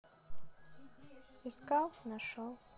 искал нашел